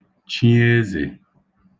chi ezè